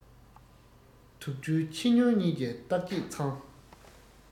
དུག སྦྲུལ ཁྱི སྨྱོན གཉིས ཀྱི བརྟག དཔྱད ཚང